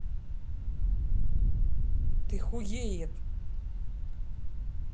ты хуеет